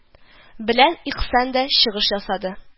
Белән икъсан да чыгыш ясады